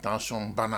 Taa sɔn banna